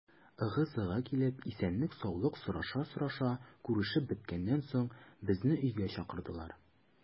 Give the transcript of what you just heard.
Ыгы-зыгы килеп, исәнлек-саулык сораша-сораша күрешеп беткәннән соң, безне өйгә чакырдылар.